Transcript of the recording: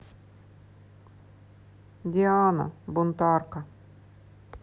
диана бунтарка